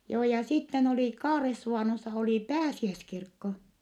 joo ja sitten oli Kaaresuvannossa oli pääsiäiskirkko